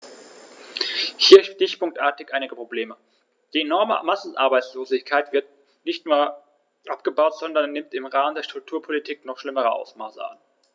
Hier stichpunktartig einige Probleme: Die enorme Massenarbeitslosigkeit wird nicht nur nicht abgebaut, sondern nimmt im Rahmen der Strukturpolitik noch schlimmere Ausmaße an.